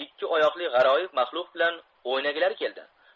ikki oyoqli g'aroyib mahluq bilan o'ynagilari keldi